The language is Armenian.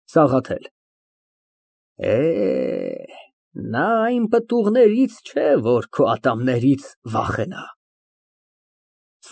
ՍԱՂԱԹԵԼ ֊ Է, նա այն պտուղներից չէ, որ քո ատամներից վախենա։